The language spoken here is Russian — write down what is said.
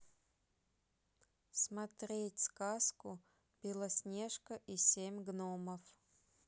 смотреть сказку белоснежка и семь гномов